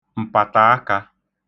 m̀pàtàakā